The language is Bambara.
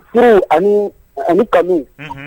U ani ani kanu